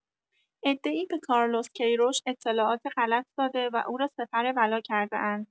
عده‌ای به کارلوس کی‌روش اطلاعات غلط داده و او را سپر بلا کرده‌اند.